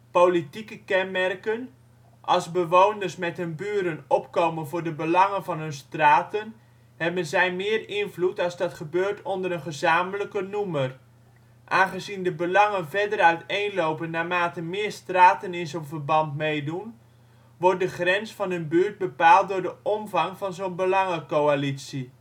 Politieke kenmerken: Als bewoners met hun buren opkomen voor het belang van hun straten, hebben zij meer invloed als dat gebeurt onder een gezamenlijke noemer. Aangezien de belangen verder uiteenlopen naarmate meer straten in zo 'n verband meedoen, wordt de grens van een buurt bepaald door de omvang van zo 'n belangencoalitie